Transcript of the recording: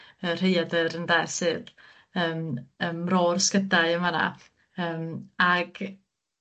y rhaeadyr ynde, sydd yym ym Mro'r Sgydau yn fan 'na yym ag